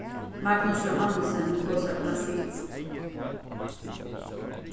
magnus johannesen tosar brasilskt